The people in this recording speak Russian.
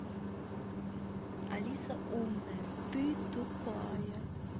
алиса умная ты тупая